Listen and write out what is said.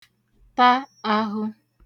ta ahụ